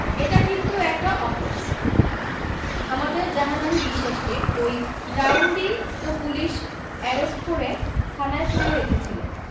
এটা কিন্তু একটা অফেন্স আমাদের জাহান আলি বিশ্বাসকে ওই গ্রাউন্ডেই তো পুলিশ অ্যারেষ্ট করে থানায় পুরে রেখেছিল